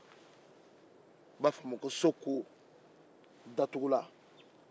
u b'a fo o ma ko so kon